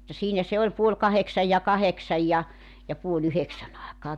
mutta siinä se oli puoli kahdeksan ja kahdeksan ja ja puoli yhdeksän aikaan